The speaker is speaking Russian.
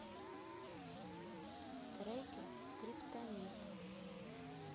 треки скриптонит